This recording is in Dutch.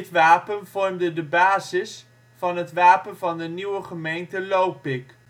wapen vormde de basis van het wapen van de nieuwe gemeente Lopik